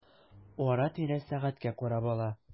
Ара-тирә сәгатькә карап ала.